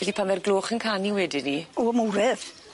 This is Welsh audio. Felly pan mae'r gloch yn canu wedyn 'ny? O mowredd.